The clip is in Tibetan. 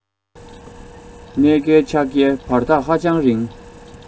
གནས བསྐལ ཆགས བསྐལ བར ཐག ཧ ཅང རིང